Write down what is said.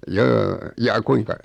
joo jaa kuinka